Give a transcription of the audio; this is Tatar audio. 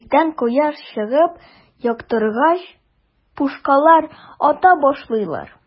Иртән кояш чыгып яктыргач, пушкалар ата башлыйлар.